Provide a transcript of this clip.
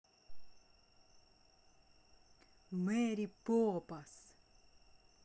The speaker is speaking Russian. мэри попас